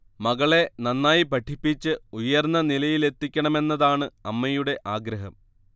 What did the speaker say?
മകളെ നന്നായി പഠിപ്പിച്ച് ഉയർന്ന നിലയിലെത്തിക്കണമെന്നതാണ് അമ്മയുടെ ആഗ്രഹം